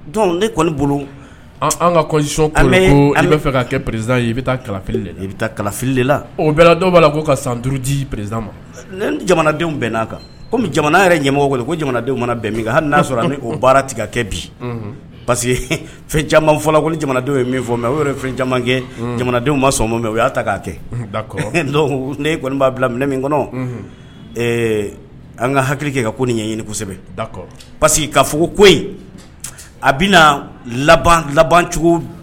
'a' kanmɔgɔ kodenw bɛn min'a tigɛ kɛ bi parce fɛn fɔlɔ ko jamanadenw ye min fɔ mɛ o camankɛ jamanadenw ma sɔn ma mɛn o y'a ta k' kɛ ne kɔni b'a bila min kɔnɔ an ka hakilike ka ko nin yesɛbɛ pa ka fo ko in a bɛ laban cogo